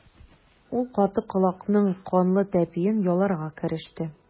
Ул каты колакның канлы тәпиен яларга кереште.